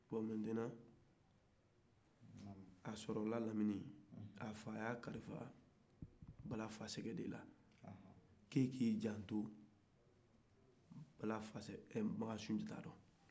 bon maintenant a sɔrɔla lamini a fa y'a kalifa balafasɛgɛ de la k'o k'a janto sunjata la